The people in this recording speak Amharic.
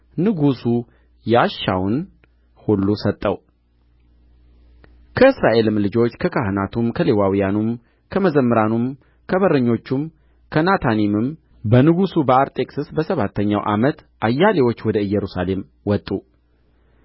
ንጉሡ የሻውን ሁሉ ሰጠው ከእስራኤልም ልጆች ከካህናቱም ከሌዋውያኑም ከመዘምራኑም ከበረኞቹም ከናታኒምም በንጉሡ በአርጤክስስ በሰባተኛው ዓመት አያሌዎች ወደ ኢየሩሳሌም ወጡ